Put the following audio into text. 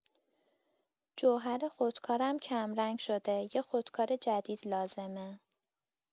جوهر خودکارم کم‌رنگ شده، یه خودکار جدید لازمه.